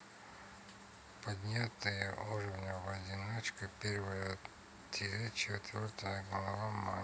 поднятие уровня в одиночку первая тире четвертая глава манги